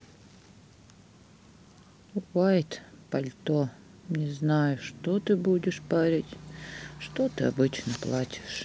wd пальто не знаю что ты будешь парить что ты обычно плачешь